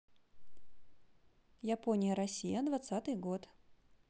япония россия двадцатый год